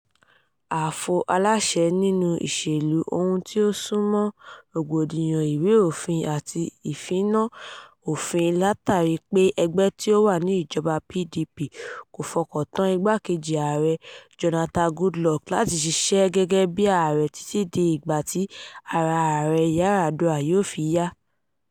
Ààfo aláṣẹ nínú ìṣèlú, ohun tí ó súnmọ́ rògbòdìyàn ìwé òfin, àti ìfínná òfin látààrí pé ẹgbẹ̀ tí ó wà ní ìjọba (PDP) kò fọkàn tán Igbákejì Ààrẹ (Jonathan Goodluck) láti ṣiṣẹ́ gẹ́gẹ́ bíi Ààrẹ títí di ìgbà tí ara Ààrẹ Yar'Adua yóò fi yá.